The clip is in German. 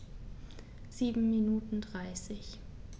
7 Minuten 30